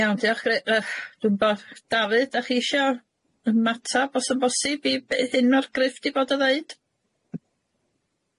Iawn diolch gre- Griff yy dwi'm bod, Dafydd dach chi isio ymateb os y'n bosib, i beth hyn o'r Griff di bod yn ddeud?